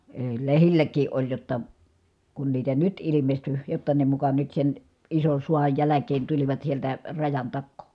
ei lehdilläkin oli jotta kun niitä nyt ilmestyi jotta ne muka nyt sen ison sodan jälkeen tulivat sieltä rajan takaa